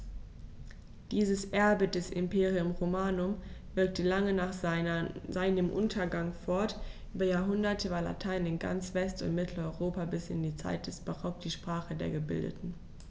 Dieses Erbe des Imperium Romanum wirkte lange nach seinem Untergang fort: Über Jahrhunderte war Latein in ganz West- und Mitteleuropa bis in die Zeit des Barock die Sprache der Gebildeten.